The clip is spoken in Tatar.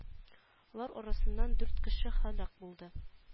Алар арасыннан дүрт кеше һәлак булды